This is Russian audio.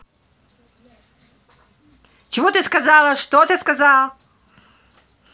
чего ты сказала что ты сказал